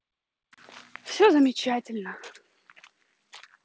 все замечательно